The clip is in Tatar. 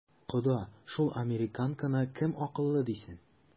Кода, шул американканы кем акыллы дисен?